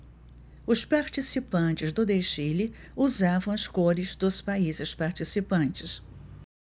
os participantes do desfile usavam as cores dos países participantes